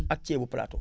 ak ceebu plateau